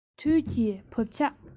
དུས ཀྱི འདབ ཆགས